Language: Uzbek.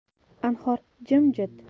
anhor jim jit